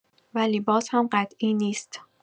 ولی باز هم قطعی نیست.